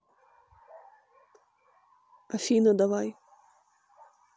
афина давай